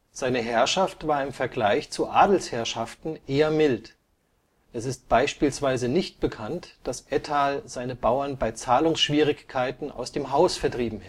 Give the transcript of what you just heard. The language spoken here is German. Seine Herrschaft war im Vergleich zu Adelsherrschaften eher mild. Es ist beispielsweise nicht bekannt, dass Ettal seine Bauern bei Zahlungsschwierigkeiten aus dem Haus vertrieben